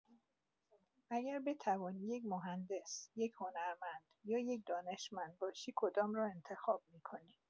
اگر بتوانی یک مهندس، یک هنرمند یا یک دانشمند باشی کدام را انتخاب می‌کنی؟